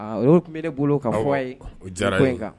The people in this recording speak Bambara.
Olu tun bɛ bolo ka fɔ ye in